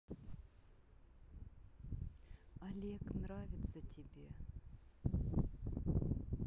олег нравится тебе